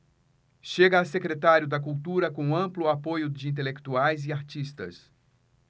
chega a secretário da cultura com amplo apoio de intelectuais e artistas